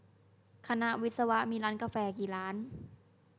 คณะวิศวะมีร้านกาแฟกี่ร้าน